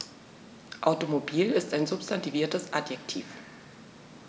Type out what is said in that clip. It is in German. Automobil ist ein substantiviertes Adjektiv.